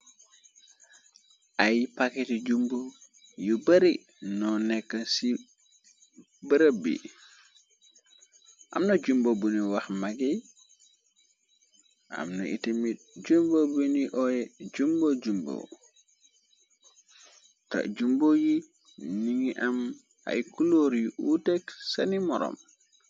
Ay paketi jumbo yu bari no nekk ci bërëb bi, amna jumbo bunu wax magi, amna ité mit jumbo bini oy jumbo jumbo, te jumbo yi ningi am ay kulóor yu utek sani moroom.